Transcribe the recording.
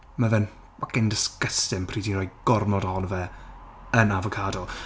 Mae fe'n fucking disgusting pryd ti'n rhoi gornod ohono fe yn afocado.